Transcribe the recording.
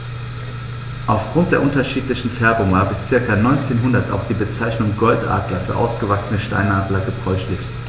Auf Grund der unterschiedlichen Färbung war bis ca. 1900 auch die Bezeichnung Goldadler für ausgewachsene Steinadler gebräuchlich.